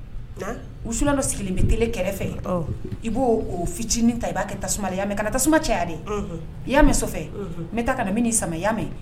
Us dɔ sigilen bɛ t kɛrɛfɛ i b' fitinin ta i b'a tasuma kana tasumaya de i ya mɛn n bɛ taa bɛ' samayamɛ